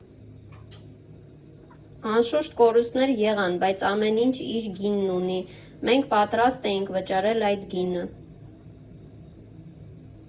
«Անշուշտ կորուստներ եղան, բայց ամեն ինչ իր գինն ունի և մենք պատրաստ էինք վճարել այդ գինը։